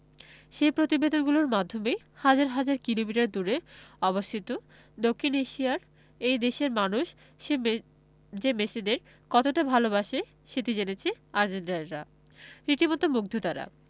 সেই প্রতিবেদনগুলোর মাধ্যমেই হাজার হাজার কিলোমিটার দূরে অবস্থিত দক্ষিণ এশিয়ার এই দেশের মানুষ যে মেসিদের কতটা ভালোবাসে সেটি জেনেছে আর্জেন্টাইনরা রীতিমতো মুগ্ধ তাঁরা